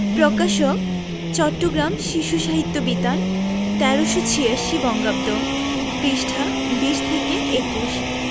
প্রকাশকঃ চট্টগ্রাম শিশু সাহিত্য বিতান ১৩৮৬ বঙ্গাব্দ পৃষ্ঠাঃ ২০ থেকে ২১